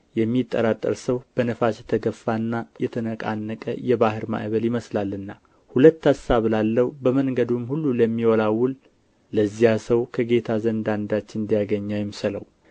የሚጠራጠር ሰው በነፋስ የተገፋና የተነቃነቀ የባሕርን ማዕበል ይመስላልና ሁለት አሳብ ላለው በመንገዱም ሁሉ ለሚወላውል ለዚያ ሰው ከጌታ ዘንድ አንዳች እንዲያገኝ አይምሰለው